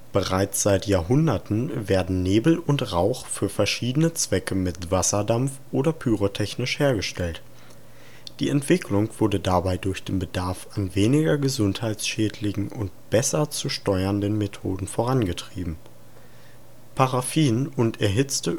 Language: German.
Bereits seit Jahrhunderten werden Nebel und Rauch für verschiedene Zwecke mit Wasserdampf oder pyrotechnisch hergestellt. Die Entwicklung wurde dabei durch den Bedarf an weniger gesundheitsschädlichen und besser zu steuernden Methoden vorangetrieben. Paraffin und erhitzte